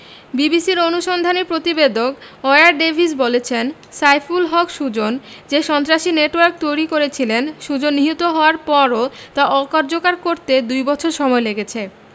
বিবিসির অনুসন্ধানী প্রতিবেদক ওয়্যার ডেভিস বলেছেন সাইফুল হক সুজন যে সন্ত্রাসী নেটওয়ার্ক তৈরি করেছিলেন সুজন নিহত হওয়ার পরও তা অকার্যকর করতে দুই বছর সময় লেগেছে